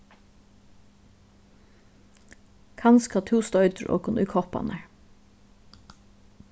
kanska tú stoytir okkum í kopparnar